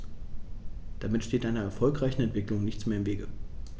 Damit steht einer erfolgreichen Entwicklung nichts mehr im Wege.